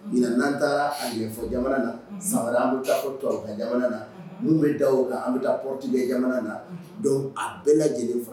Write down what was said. Ɲin n'an taarafɔ jamana na saba an bɛ taa jamana na minnu bɛ da kan an bɛ taa ptile jamana na a bɛɛ lajɛlen fɔlɔ